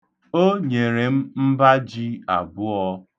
O nyere m mba ji abụọ.